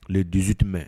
Tile dijiti mɛn